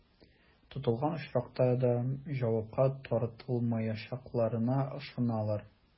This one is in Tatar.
Тотылган очракта да җавапка тартылмаячакларына ышаналар.